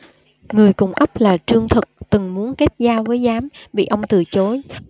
người cùng ấp là trương thực từng muốn kết giao với giám bị ông từ chối